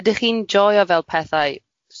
Ydych chi'n joio fel pethau?